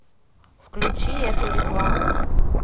выключи эту рекламу